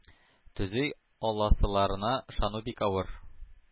Төзи аласыларына ышану бик авыр.